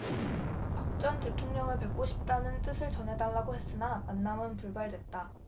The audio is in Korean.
박 전 대통령을 뵙고 싶다는 뜻을 전해달라고 했으나 만남은 불발됐다